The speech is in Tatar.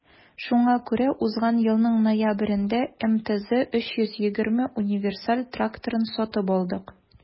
Шуңа күрә узган елның ноябрендә МТЗ 320 универсаль тракторын сатып алдык.